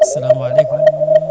salamu aleykum